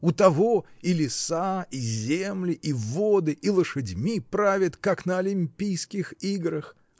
у того — и леса, и земли, и воды, и лошадьми правит, как на олимпийских играх!